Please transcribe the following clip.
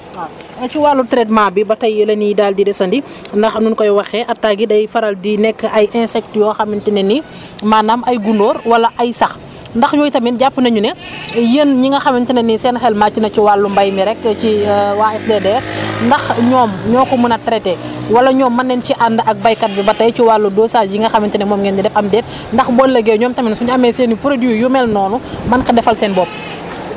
waaw ci wàllu traitement bi ba tey la ñuy daal di deandi ndax nu ñu koy waxee attaques yi day faral di nekk ay insectes yoo xamante ne ni maanaam ay gunóor wala ay sax ndax yooyu tamit jàpp nañu ne yéen ñi nga xamante ne ni seen xel màcc na ci wàllum mbéy mi rek ci waa SDDR ndax ñoom ñoo komun a traité wala ñoom mën nañ ci ànd ak béykat bi ba tey ci wàllu dosage yi nga xamante ne moom ngeen di def am déet ndax bu ëllëgee ñoom tamit su ñu amee seen i produits yu mel noonu mën ko defal seen bopp